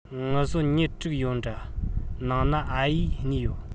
ངུ བཟོ མྱི དྲུག ཡོད དྲ ནང ན ཨ ཡེས གཉིས ཡོད